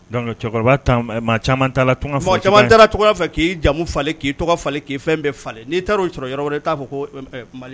donc cɛkɔrɔba taara, maa caaman taara tunkan fɛ k'i jamu falen ,k'i tɔgɔ falen, k'i fɛn bɛɛ falen ,n'i taar'o yɔrɔ la, i t'a fɔ ko